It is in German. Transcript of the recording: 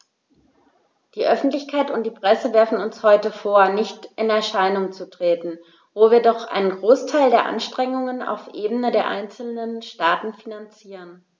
Die Öffentlichkeit und die Presse werfen uns heute vor, nicht in Erscheinung zu treten, wo wir doch einen Großteil der Anstrengungen auf Ebene der einzelnen Staaten finanzieren.